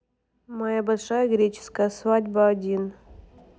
моя большая греческая свадьба один